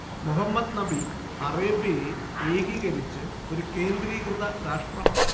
മുഹമ്മദ് നബി അറേബ്യയെ ഏകീകരിച്ച് ഒരു കേന്ദ്രീകൃത രാഷ്ട്രമാക്കി